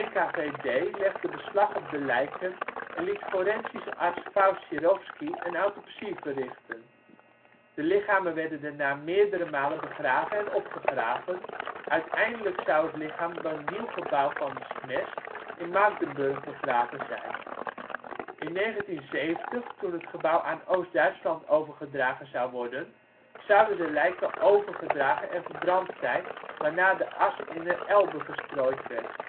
De NKVD (de 79e SMERSJ) legde beslag op de lijken en liet forensisch arts Faust Sherovsky een autopsie verrichten. De lichamen werden daarna meerdere malen begraven en opgegraven, uiteindelijk zou het lichaam bij een nieuw gebouw van SMERSH in Magdeburg begraven zijn. In 1970, toen het gebouw aan Oost-Duitsland overgedragen zou worden, zouden de lijken opgegraven en verbrand zijn waarna de as in de Elbe verstrooid werd